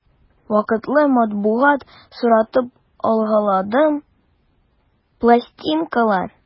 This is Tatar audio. Вакытлы матбугат соратып алгаладым, пластинкалар...